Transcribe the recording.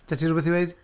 'Da ti rywbeth i weud?